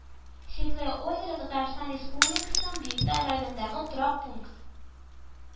Светлое Озеро Татарстан Республикасының Биектау районындагы торак пункт